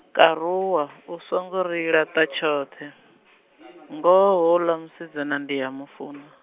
karuwa, u songo ri laṱa tshoṱhe , ngoho houḽa musidzana ndi a mufunwa.